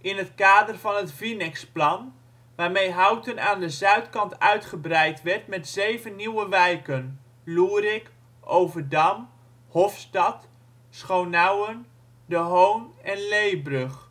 in het kader van het Vinex-plan, waarmee Houten aan de zuidkant uitgebreid werd met zeven nieuwe wijken: Loerik, Overdam, Hofstad, Schonauwen, De Hoon en Leebrug